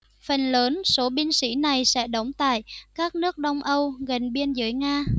phần lớn số binh sĩ này sẽ đóng tại các nước đông âu gần biên giới nga